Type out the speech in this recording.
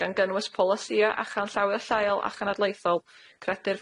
gan gynnwys polisïa a chanllawia lleol a chanadlaethol, credir